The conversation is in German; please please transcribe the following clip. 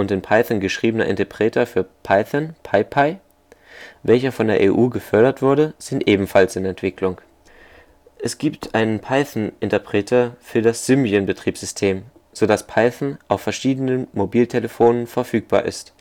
in Python geschriebener Interpreter für Python, PyPy, welcher von der EU gefördert wurde, sind ebenfalls in Entwicklung. Es gibt einen Python-Interpreter für das Symbian-Betriebssystem, so dass Python auf verschiedenen Mobiltelefonen verfügbar ist